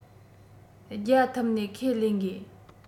བརྒྱ ཐུབ ནས ཁས ལེན དགོས